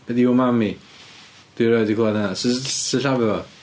Be 'di umami? Dwi erioed 'di clywad hynna. Sut ti'n sillafu fo?